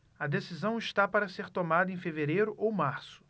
a decisão está para ser tomada em fevereiro ou março